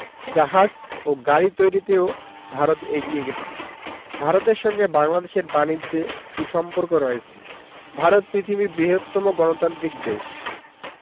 জাহাজ ও গাড়ি তৈরিতেও ভারত এগিয়ে গেছে ভারতের সঙ্গে বাংলাদেশের বানিজ্যে সু সম্পর্ক রয়েছে ভারত পৃথিবীর বৃহত্তম গণতান্ত্রিক দেশ